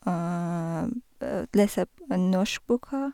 Lese norsk boka.